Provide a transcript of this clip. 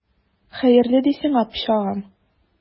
Хәерле ди сиңа, пычагым!